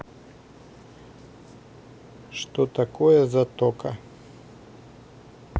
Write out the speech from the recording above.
что такое затока